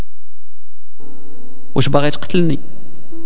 ايش بغيت تقتلني